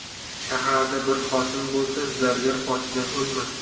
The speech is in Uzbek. shaharda bir xotin bo'lsa zargar ochidan o'lmas